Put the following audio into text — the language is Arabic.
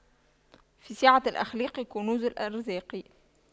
في سعة الأخلاق كنوز الأرزاق